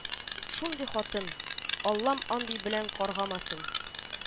Шундый хатын — Аллам андый белән каргамасын